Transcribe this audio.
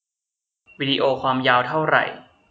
วิดีโอความยาวเท่าไหร่